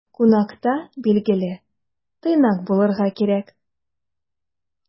Кунакта, билгеле, тыйнак булырга кирәк.